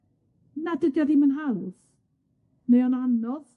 nad ydi o ddim yn hawdd, mae o'n anodd.